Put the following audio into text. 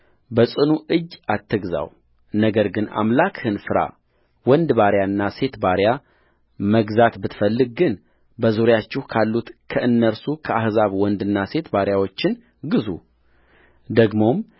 በጽኑ እጅ አትግዛው ነገር ግን አምላክህን ፍራወንድ ባሪያና ሴት ባሪያ መግዛት ብትፈልግ ግን በዙሪያችሁ ካሉት ከእነርሱ ከአሕዛብ ወንድና ሴት ባሪያዎችን ግዙደግሞም